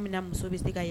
Muso bɛ se ka